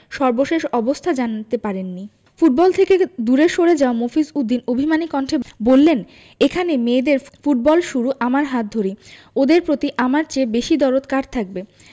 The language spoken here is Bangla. সর্বশেষ অবস্থা জানতে পারেননি ফুটবল থেকে দূরে সরে যাওয়া মফিজ উদ্দিন অভিমানী কণ্ঠে বললেন এখানে মেয়েদের ফুটবল শুরু আমার হাত ধরেই ওদের প্রতি আমার চেয়ে বেশি দরদ কার থাকবে